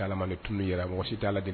Tun mɔgɔ si